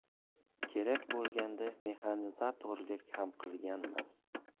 kerak bo'lganda mexanizatorlik ham qilganmiz